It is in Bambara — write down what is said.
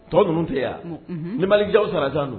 Tɔ ninnu tɛ yan nibali ja sara tan don